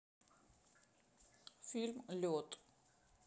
фильм лед